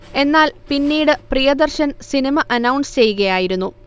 എന്നാൽ പിന്നീട് Priyadarshan cinema announce ചെയ്കയായിരുന്നു